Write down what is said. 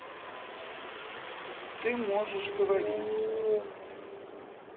ты можешь говорить